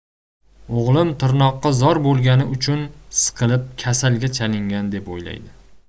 o'g'lim tirnoqqa zor bo'lgani uchun siqilib kasalga chalingan deb o'ylaydi